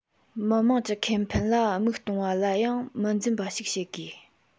མི དམངས ཀྱི ཁེ ཕན ལ དམིགས གཏོང བ ལ ཡང མི འཛེམ པ ཞིག བྱེད དགོས